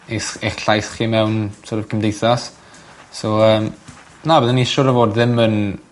i s- eich llais chi mewn sort of cymdeithas. So yym na fyddwn i siŵr o fod ddim yn